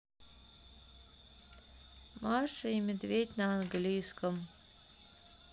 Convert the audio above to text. маша и медведь на английском